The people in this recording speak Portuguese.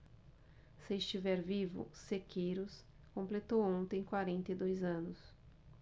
se estiver vivo sequeiros completou ontem quarenta e dois anos